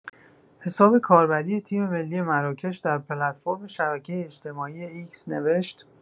حساب کاربری تیم‌ملی مراکش در پلتفرم شبکه اجتماعی «ایکس»، نوشت